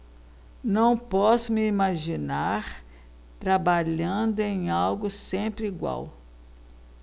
não posso me imaginar trabalhando em algo sempre igual